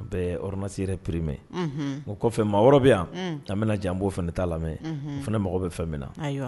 N bɛ omasi pererime o kɔfɛ maa yɔrɔ bɛ yan an bɛna janbo fɛ t'a lamɛn f mago bɛ fɛn min na